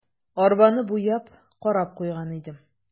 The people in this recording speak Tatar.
Арбаны буяп, карап куйган идем.